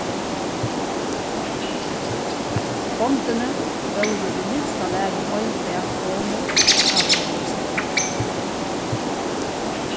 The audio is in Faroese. bondini vóru í minsta lagi ein dag gomul tá tey vórðu send